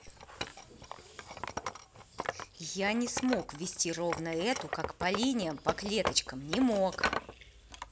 я не смог ввести ровно эту как по линиям по клеточкам не мог